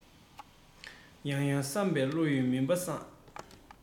ཡང ཡང བསམ པས བློ ཡི མུན པ སངས